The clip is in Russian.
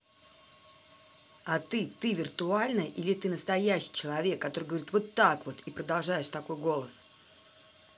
а ты ты виртуальная или ты настоящий человек который говорит вот так вот и продолжаешь такой голос